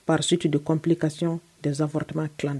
Par suite de complication des avortements cland